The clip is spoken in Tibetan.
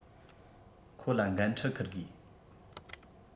ཁོ ལ གྱི འགན འཁྲི འཁུར དགོས